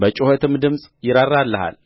በጩኸትም ድምፅ ይራራልሃል